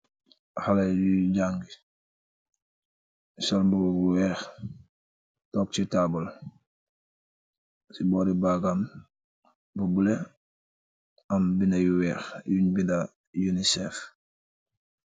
Haleh yui jaangi, sol mbubu bu wekh, tok chi taabul, ci bohri bagam bu bleu am binda yu wekh yungh binda UNICEF.